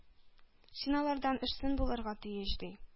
Син алардан өстен булырга тиеш!“ — ди.